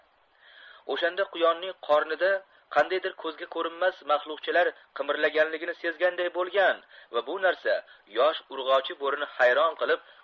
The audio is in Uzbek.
o'shanda quyonning qornida qandaydir ko'zga ko'rinmas mahluqchalar qimirlaganligini sezganday bo'lgan va bu narsa yosh urg'ochi bo'rini hayron qilib